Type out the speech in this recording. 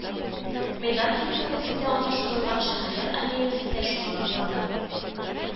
Мәйдан территориясендә урнаштырылган шәһәрләр аллеясы да шуны раслады